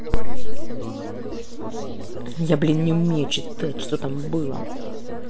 я блин не умею читать что там было